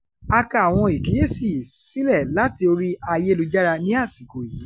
A ká àwọn ìkíyèsí yìí sílẹ̀ láti orí ayélujára ní àsìkò yìí.